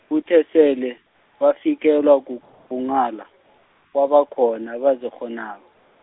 kuthe sele, bafikelwa ku- , kunghala, kwabakhona abazikghonako.